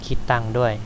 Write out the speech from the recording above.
คิดตังค์ด้วย